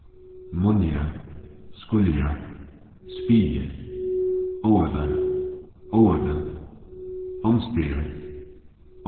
munna skula spaði óvitar óviti ónsdagur